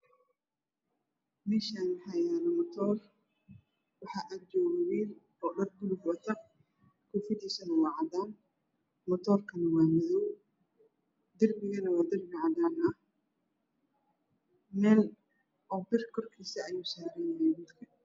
Meshan waxaa yala mator waxaa ag jooga wiil dhar buluga wata matorkuna waa madow iyo derbi cadan ah